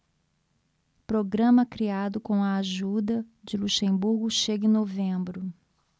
programa criado com a ajuda de luxemburgo chega em novembro